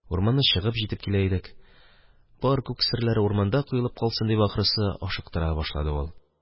Урманны чыгып җитеп килә идек, бар күк серләр урманда коелып калсын дип, ахрысы, ашыктыра башлады ул: